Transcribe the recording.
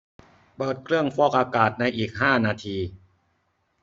เปิดเครื่องฟอกอากาศในอีกห้านาที